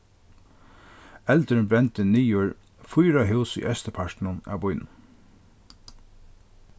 eldurin brendi niður fýra hús í eysturpartinum av býnum